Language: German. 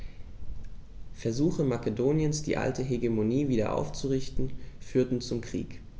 Versuche Makedoniens, die alte Hegemonie wieder aufzurichten, führten zum Krieg.